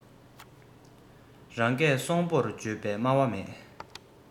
རང རིགས རིག གཞུང སྦྱངས པའི ཐོས པ མེད